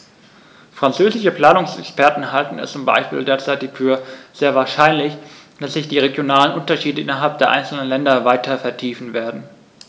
Französische Planungsexperten halten es zum Beispiel derzeit für sehr wahrscheinlich, dass sich die regionalen Unterschiede innerhalb der einzelnen Länder weiter vertiefen werden.